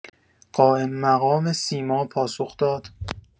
قائم‌مقام سیما پاسخ داد